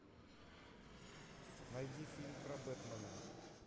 найди фильм про бэтмена